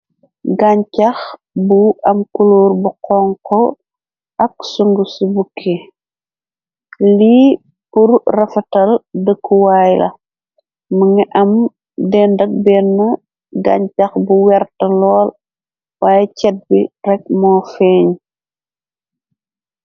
Gañchax bu am kuluur bu xon ko ak sungu ci bukki lii pur rafatal dëkkuwaay la mu nga am dendak benn gañcax bu wert lool waaye chet bi rekk moo feeñ.